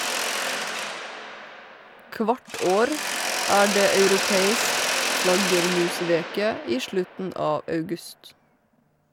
Kvart år er det europeisk flaggermusveke i slutten av august.